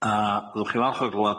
A fyddwch chi'n falch o gl'wad,